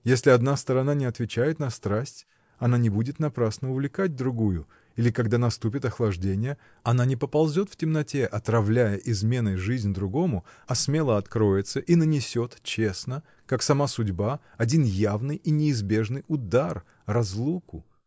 Если одна сторона не отвечает на страсть, она не будет напрасно увлекать другую, или, когда наступит охлаждение, она не поползет в темноте, отравляя изменой жизнь другому, а смело откроется и нанесет честно, как сама судьба, один явный и неизбежный удар — разлуку.